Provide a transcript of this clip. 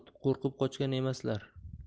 qo'rqib qochgan emaslar